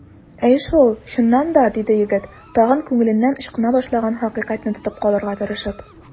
Әйе шул, чыннан да! - диде егет, тагын күңеленнән ычкына башлаган хакыйкатьне тотып калырга тырышып.